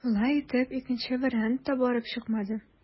Шулай итеп, икенче вариант та барып чыкмады.